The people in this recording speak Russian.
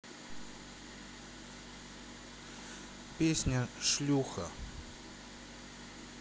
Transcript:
песня шлюха